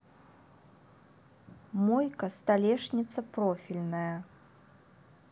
мойка столешница профильная